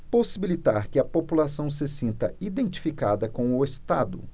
possibilitar que a população se sinta identificada com o estado